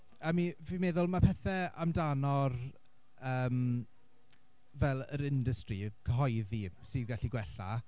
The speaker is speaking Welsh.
I mean fi'n meddwl mae pethe amdano'r yym fel yr industry cyhoeddi sy'n gallu gwella.